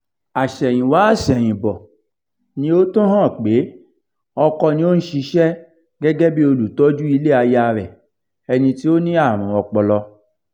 Àsẹ̀yìnwá àṣẹ̀yìnbọ̀ ni ó tó hán pé ọkọ ni ó ń ṣiṣẹ́ gẹ́gẹ́ bí olùtọ́jú ilé aya rẹ̀, ẹni tí ó ní àrùn ọpọlọ.